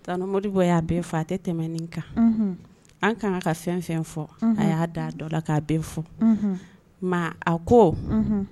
Tonton Modibo ya bɛɛ fɔ. A ti tɛmɛ nin kan. Anw ka kan ka fɛn fɛn fɔ, a ya da don a la ka bɛɛ fɔ. Ma a ko Unhun